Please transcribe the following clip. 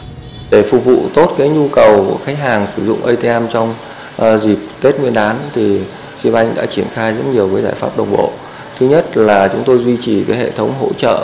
để phục vụ tốt cái nhu cầu của khách hàng sử dụng ây ti em trong dịp tết nguyên đán từ si banh đã triển khai nhiều giải pháp đồng bộ thứ nhất là chúng tôi duy trì hệ thống hỗ trợ